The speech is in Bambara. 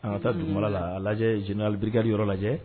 An ka taa tunkara la a lajɛ jbri yɔrɔ lajɛ